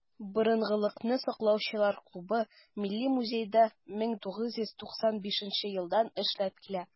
"борынгылыкны саклаучылар" клубы милли музейда 1995 елдан эшләп килә.